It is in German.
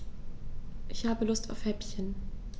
Ich habe Lust auf Häppchen.